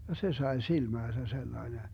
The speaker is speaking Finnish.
ja se sai silmäänsä sellainen